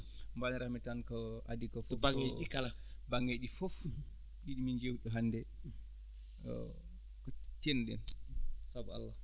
mbaynoratmi tan ko adi ko ko to baŋngeeji ɗii kala baŋngeeji ɗii fof ɗi ɗi min njeewti ɗo hannde tiinnoɗen sabu Allah